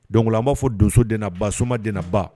Don an b'a fɔ donso d ba dba